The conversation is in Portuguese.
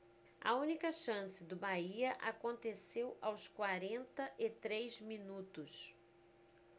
a única chance do bahia aconteceu aos quarenta e três minutos